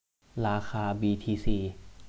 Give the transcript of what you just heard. ราคาบีทีซี